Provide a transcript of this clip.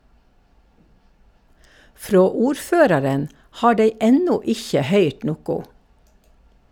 Frå ordføraren har dei enno ikkje høyrt noko.